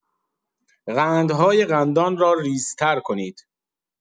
قندهای قندان را ریزتر کنید.